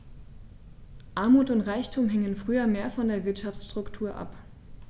Armut und Reichtum hingen früher mehr von der Wirtschaftsstruktur ab.